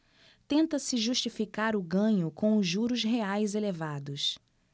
tenta-se justificar o ganho com os juros reais elevados